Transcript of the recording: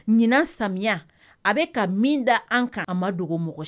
Ɲinan samiya a bɛ ka min da an kan a ma dogo mɔgɔ si